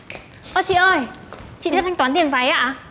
ơ chị ơi chị chưa thanh toán tiền váy ạ